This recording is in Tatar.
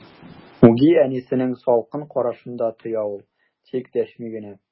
Үги әнисенең салкын карашын да тоя ул, тик дәшми генә.